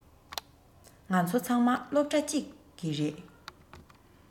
ང ཚོ ཚང མ སློབ གྲྭ གཅིག གི རེད